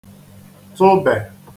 tụbè